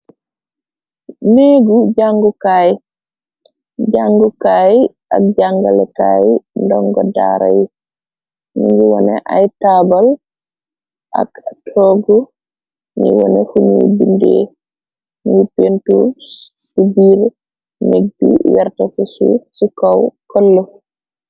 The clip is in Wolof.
Neegu jàngukaay ak jàngalekaay ndonga daara yi ningi wone ay taabal ak trogu ni wone fuñuy bindee nuy pentu ci biir nég bi werteceshi ci kow kollo.